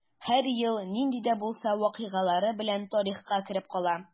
Һәр ел нинди дә булса вакыйгалары белән тарихка кереп кала.